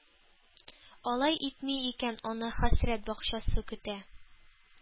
Алай итми икән, аны “Хәсрәт бакчасы“ көтә.